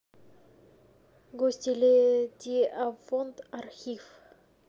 гостелерадиофонд архив